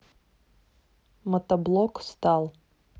мотоблок стал